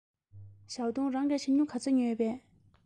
ཞའོ ཏུང རང གིས ཞྭ སྨྱུག ག ཚོད ཉོས ཡོད པས